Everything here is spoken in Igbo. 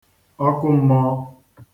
oku mmọọ